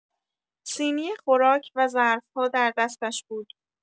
سینی خوراک و ظرف‌ها در دستش بود.